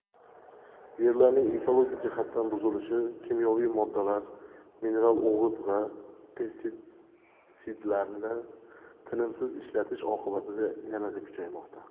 yerlarning ekologik jihatdan buzilishi kimyoviy moddalar mineral o'g'it va pestitsidlarni tinimsiz ishlatish oqibatida yanada kuchaymoqda